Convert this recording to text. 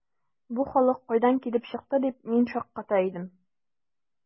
“бу халык кайдан килеп чыкты”, дип мин шакката идем.